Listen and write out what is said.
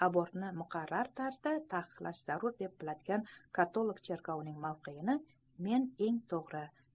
abortni muqarrar tarzda taqiqlash zarur deb biladigan katolik cherkovining mavqeini men eng to'g'ri